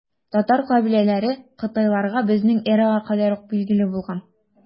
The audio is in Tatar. Татар кабиләләре кытайларга безнең эрага кадәр үк билгеле булган.